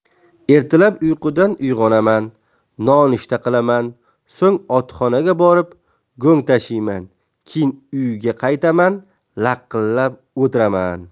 ertalab uyqudan uyg'onaman nonushta qilaman so'ng otxonaga borib go'ng tashiyman keyin uyga qaytaman laqillab o'tiraman